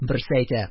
Берсе әйтә: